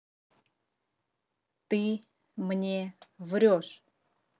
ты мне врешь